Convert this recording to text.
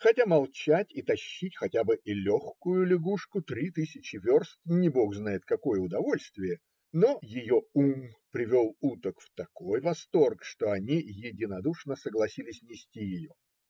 Хотя молчать и тащить хоть бы и легкую лягушку три тысячи верст не бог знает какое удовольствие, но ее ум привел уток в такой восторг, что они единодушно согласились нести ее.